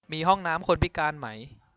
มีห้องน้ำคนพิการไหม